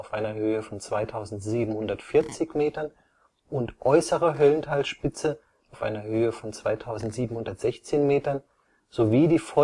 2740 m) und Äußere Höllentalspitze (2716 m) sowie die Vollkarspitze